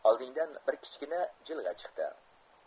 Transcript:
oldingdan bir kichkina jilg'a chiqdi